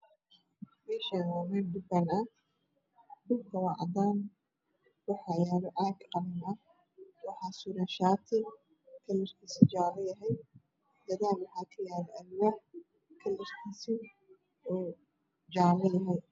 Meeshaan waa meel tukaan ah dhulku waa cadaan waxaa yaalo caag cad waxaa suran shaati kalarkiisu jaalo yahay gadaal waxaa kayaalo alwaax jaalo ah.